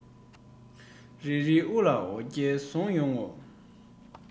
རིལ རིལ དབུ ལ འོ རྒྱལ བཟོས ཡོང ངོ